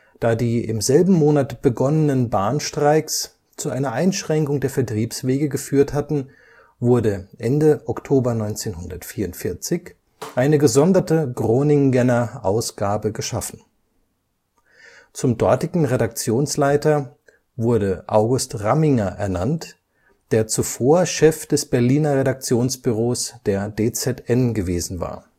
Da die im selben Monat begonnenen Bahnstreiks zu einer Einschränkung der Vertriebswege geführt hatten, wurde Ende Oktober 1944 eine gesonderte Groningener Ausgabe geschaffen. Zum dortigen Redaktionsleiter wurde August Ramminger ernannt, der zuvor Chef des Berliner Redaktionsbüros der DZN gewesen war